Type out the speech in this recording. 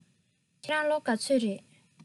ཁྱེད རང ལོ ག ཚོད རེད